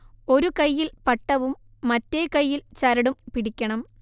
ഒരു കൈയ്യിൽ പട്ടവും മറ്റേ കൈയിൽ ചരടും പിടിക്കണം